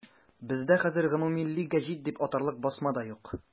Бездә хәзер гомуммилли гәҗит дип атарлык басма да юк.